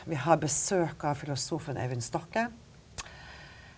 vi har besøk av filosofen Øyvind Stokke.